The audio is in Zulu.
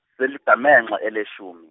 seligamenxe eleshumi.